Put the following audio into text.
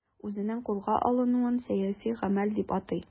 Үзенең кулга алынуын сәяси гамәл дип атый.